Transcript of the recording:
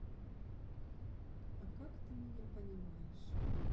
а как ты меня понимаешь